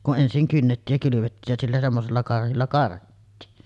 kun ensin kynnettiin ja kylvettiin ja sillä semmoisella karhilla karhittiin